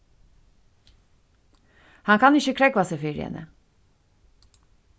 hann kann ikki krógva seg fyri henni